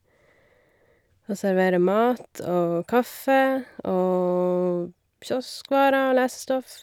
Og serverer mat og kaffe og kioskvarer og lesestoff.